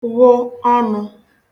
ghụ ọnụ̄